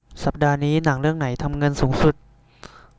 สัปดาห์นี้หนังเรื่องไหนทำเงินสูงสุด